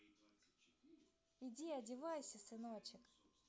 иди одевайся сыночек